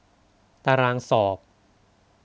ตารางสอบ